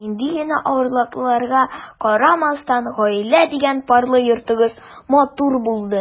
Нинди генә авырлыкларга карамастан, “гаилә” дигән парлы йортыгыз матур булды.